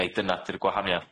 Ai dyna di'r gwahaniath?